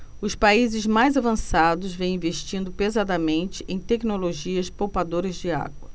os países mais avançados vêm investindo pesadamente em tecnologias poupadoras de água